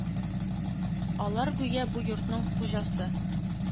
Алар, гүя, бу йортның хуҗасы